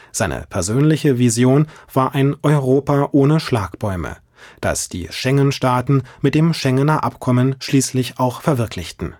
Seine persönliche Vision war ein „ Europa ohne Schlagbäume “, das die Schengen-Staaten mit dem Schengener Abkommen schließlich auch verwirklichten